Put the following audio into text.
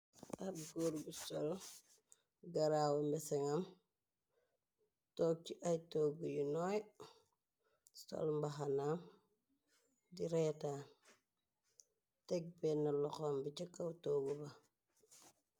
Ab goor bu sol garaawu mbesengam toog ci ay toggu yu nooy stolmbahanam di reetaan teg benn loxom bi ca kaw toogu bi.